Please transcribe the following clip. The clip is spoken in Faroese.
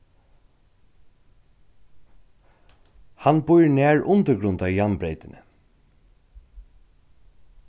hann býr nær undirgrundarjarnbreytini